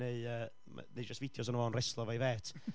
neu yy, ma'... neu jyst fideos ohono fo'n reslo efo'i fêt.